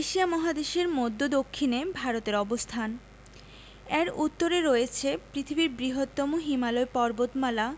Asia মহাদেশের মদ্ধ্য দক্ষিনে ভারতের অবস্থানএর উত্তরে রয়েছে পৃথিবীর বৃহত্তম হিমালয় পর্বতমালা